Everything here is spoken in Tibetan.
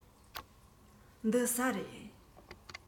འདི ཟྭ རེད